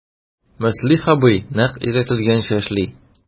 Мөслих абый нәкъ өйрәтелгәнчә эшли...